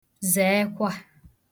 zè ekwhà